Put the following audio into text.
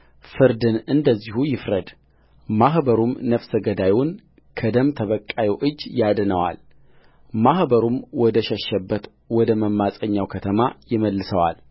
ፍርድን እንደዚሁ ይፍረድማኅበሩም ነፍሰ ገዳዩን ከደም ተበቃዩ እጅ ያድነዋል ማኅበሩም ወደ ሸሸበት ወደ መማፀኛ ከተማ ይመልሰዋል